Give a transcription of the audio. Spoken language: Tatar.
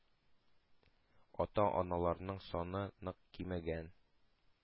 Ата-аналарның саны нык кимегән: